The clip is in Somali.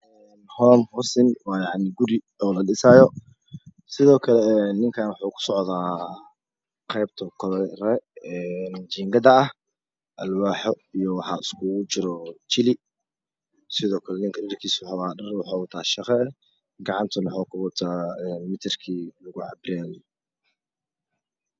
Wa guri oo ladhisaayo sidookle waxa uu ku socdaa qeebta kore ii jingada ah alwaaxo waxaa iskgu jiro jili sidoo kle ninka waxaa u wataa dharshaqo gacantana waxa uu ku wataa mitirka